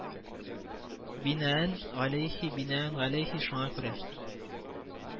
Бинаән галәйһи Бинаән галәйһи шуңа күрә